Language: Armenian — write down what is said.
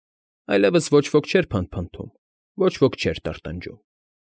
Այլևս ոչ ոք չէր փնթփնթում, ոչ ոք չէր տրտնջում։